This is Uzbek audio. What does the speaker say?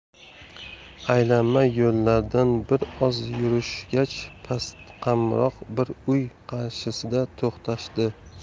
aylanma yo'llardan bir oz yurishgach pastqamroq bir uy qarshisida to'xtashdi